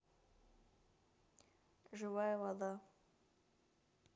живая вода